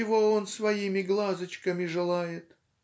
чего он своими глазочками желает".